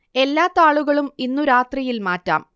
എല്ലാ താളുകളും ഇന്നു രാത്രിയിൽ മാറ്റാം